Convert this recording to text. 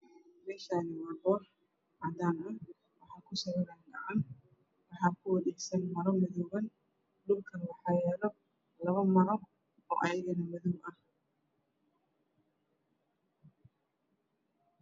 Meeshaan waa boor cadaan ah waxaa kusawiran gacan. waxaa kudhagan maro madow ah waxaa yaalo labo maro oo madow ah.